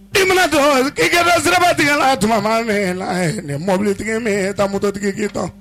I mana to siraba tigɛla tuma mɔbilitigi taa motigi k'tɔ